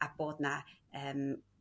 a bod 'na yym